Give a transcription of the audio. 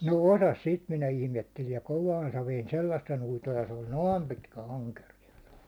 no osasi sitten minä ihmettelin ja kovaan saveen sellaisen uiton ja se oli noin pitkä ankerias